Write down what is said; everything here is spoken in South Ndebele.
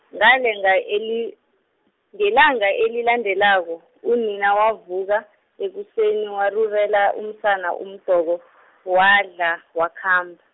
ngalanga eli-, ngelanga elilandelako, unina wavuka, ekuseni warurela umsana umdoko , wadla, wakhamba.